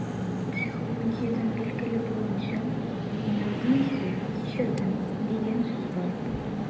Психологиядән билгеле булганча, «аңладың исә - кичердең» дигән сүз бар.